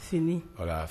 Fini, voila